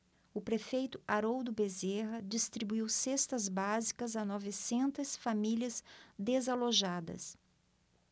o prefeito haroldo bezerra distribuiu cestas básicas a novecentas famílias desalojadas